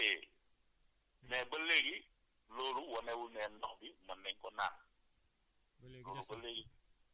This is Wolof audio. soo ko sottee loolu da koy téye mais ba léegi loolu wanewul ne ndox bi mën nañ ko naan